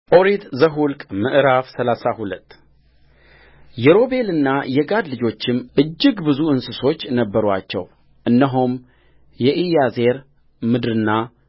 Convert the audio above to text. ኦሪት ዘኍልቍ ምዕራፍ ሰላሳ ሁለት የሮቤልና የጋድ ልጆችም እጅግ ብዙ እንስሶች ነበሩአቸው እነሆም የኢያዜር ምድርና